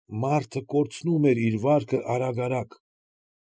Մարդը կորցնում էր իր վարկը արագ֊արագ։